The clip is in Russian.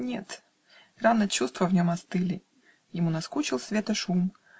Нет: рано чувства в нем остыли Ему наскучил света шум